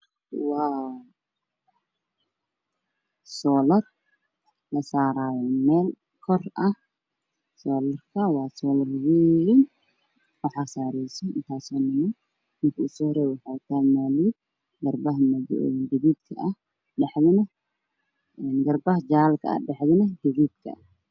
Waa soolar lasaarayo meel kore waana soolar wayn, ninka saarayo waxuu wataa fanaanad garbaha jaale ka ah dhexdana gaduud ka ah.